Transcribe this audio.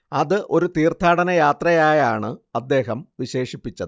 അത് ഒരു തീർത്ഥാടനയാത്രയായാണ് അദ്ദേഹം വിശേഷിപ്പിച്ചത്